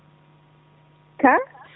ko a